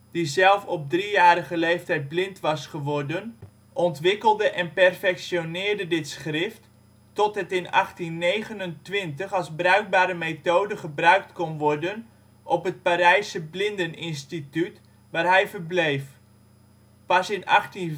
die zelf op 3-jarige leeftijd blind was geworden, ontwikkelde en perfectioneerde dit schrift, tot het in 1829 als bruikbare methode gebruikt kon worden op het Parijse blindeninstituut waar hij verbleef. Pas in 1854